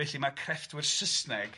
...felly ma' crefftwyr Saesneg